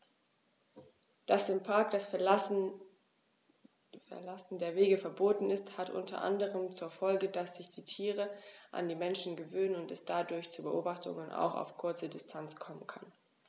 Dass im Park das Verlassen der Wege verboten ist, hat unter anderem zur Folge, dass sich die Tiere an die Menschen gewöhnen und es dadurch zu Beobachtungen auch auf kurze Distanz kommen kann.